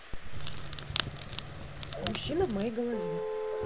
мужчина в моей голове